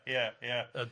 Ia ia. Yy.